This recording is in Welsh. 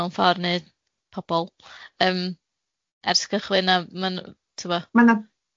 mewn ffordd neu pobol yym ers cychwyn a ma'n, ti 'bod?